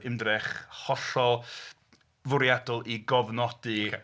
Ymdrech hollol fwriadol i gofnodi... Ocê.